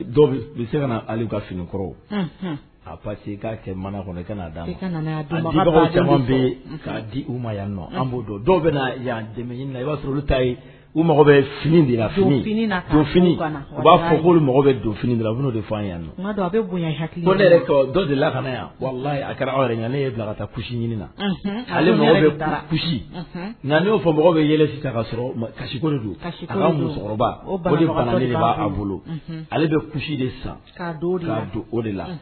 Se finikɔrɔ a'a di yan b' dɔw yan i b'a sɔrɔ bɛ fini de fini fini u b'a fɔ ko mako bɛ don fini a' de' yanyan hakili dɔw de la ka yan a kɛra ne ye bilarata na ale bɛ nan'o fɔ mɔgɔ bɛ yɛlɛ ta ka sɔrɔ kasi don musokɔrɔba b' bolo ale bɛ ku de san dɔw don o de la